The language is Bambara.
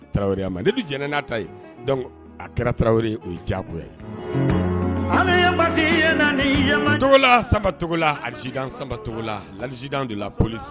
Tarawele a ma ne bɛ jɛnɛ n'a ta ye a kɛra tarawele o ye diyago ye an la sancogo la alizd sanbacogo la alizd de la polisi